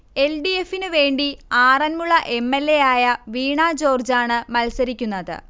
L. D. എഫിന് വേണ്ടി Aranmula M. L. എയായ വീണ ജോർജാണ് മത്സരിക്കുന്നത്